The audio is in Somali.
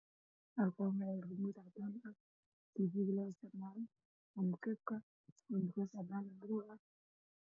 Dhashaan waxaa iiga muuqday midabkiisa yahay cadaan iyo rumuudkiisa